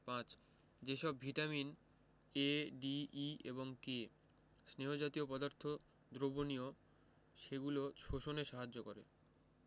৫. যে সব vitamin A D E এবং K স্নেহ জাতীয় পদার্থ দ্রবণীয় সেগুলো শোষণে সাহায্য করে